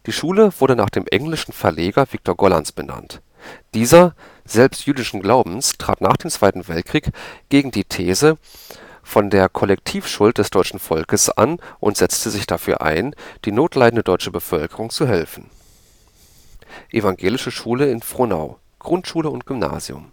Schule wurde nach dem englischen Verleger Victor Gollancz benannt. Dieser – selbst jüdischen Glaubens – trat nach dem Zweiten Weltkrieg gegen die These von der Kollektivschuld des deutschen Volkes an und setzte sich dafür ein, der notleidenden deutschen Bevölkerung zu helfen. Evangelische Schule in Frohnau (Grundschule und Gymnasium